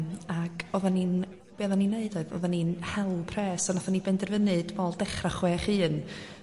yym ag oddan ni'n be odda ni'n 'neud oedd oddan ni'n hel pres o nathon ni benderfynu dwi me'l dechra chwech un